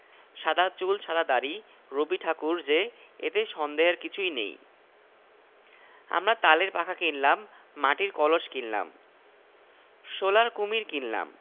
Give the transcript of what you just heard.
কপ কপ করে সবার আইসক্রিমে কামড় দিচ্ছে যেন আইসক্রিম খাওয়ার কোন একটা কম্পিটিশন এর মধ্যেই লক্ষ্য করলাম অচেনা একটা ছেলে তার বাবাকে বলছে বাবা আমিও ঐ লোকটাকে আইসক্রিম খাওযাব